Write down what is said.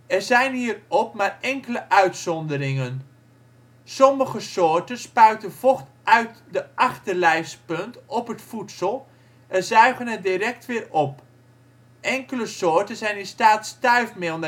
Er zijn hierop maar enkele uitzonderingen: sommige soorten spuiten vocht uit de achterlijfspunt op het voedsel en zuigen het direct weer op. Enkele soorten zijn in staat stuifmeel